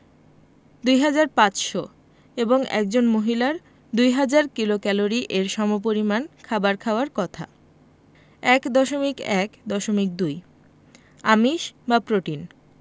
২৫০০ এবং একজন মহিলার ২০০০ কিলোক্যালরি এর সমপরিমান খাবার খাওয়ার কথা ১.১.২ আমিষ বা প্রোটিন